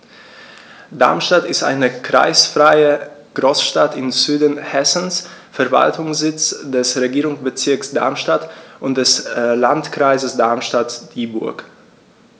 Darmstadt ist eine kreisfreie Großstadt im Süden Hessens, Verwaltungssitz des Regierungsbezirks Darmstadt und des Landkreises Darmstadt-Dieburg.